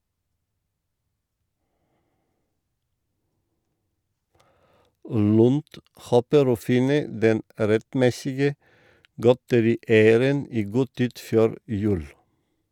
Lund håper å finne den rettmessige godterieieren i god tid før jul.